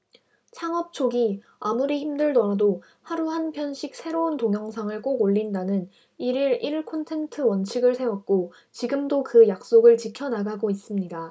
창업 초기 아무리 힘들더라도 하루 한 편씩 새로운 동영상을 꼭 올린다는 일 일 일 콘텐트 원칙을 세웠고 지금도 그 약속을 지켜나가고 있습니다